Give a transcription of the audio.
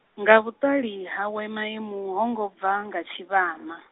nga vhuṱali hawe Maemu ho ngo bva nga tshivhana.